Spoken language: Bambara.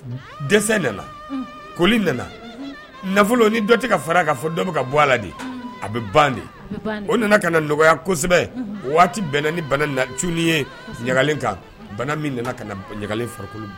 Dɛsɛ nana. Un. Kɔli nana. Un. Nafolo, ni dɔ tɛ ka far'a kan fo dɔ bɛ ka bɔ a la de. Un. A bɛ ban de. A bɛ ban de. O nana ka na nɔgɔya kosɛbɛ o waati bɛnna ni bana cunni ye ɲagalen kan, bana min nana ka na ɲagalen farikolo